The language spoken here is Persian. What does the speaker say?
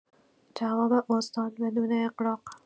جواب استاد بدون اغراق